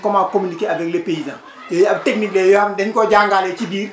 comment communiquer avec le paysan yooyu ab technique la yoo xam dañ koo jàngaale ci biir